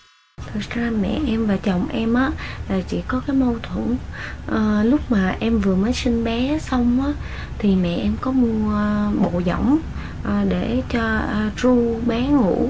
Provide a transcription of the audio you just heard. thực ra mẹ em và chồng em á là chỉ có cái mâu thuẫn ờ lúc mà em vừa mới sinh bé xong á thì mẹ em có mua bộ dõng a để cho ru bé ngủ